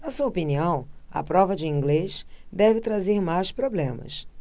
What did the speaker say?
na sua opinião a prova de inglês deve trazer mais problemas